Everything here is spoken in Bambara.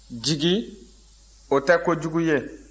jigi o tɛ ko jugu ye